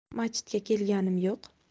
machitga kelganim yo'q